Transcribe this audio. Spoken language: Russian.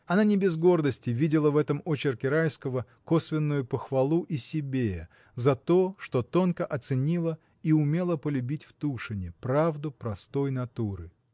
Она не без гордости видела в этом очерке Райского косвенную похвалу и себе за то, что тонко оценила и умела полюбить в Тушине — правду простой натуры.